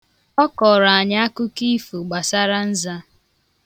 Ọ kọrọ anyị akụkọ ifo gbasara nza.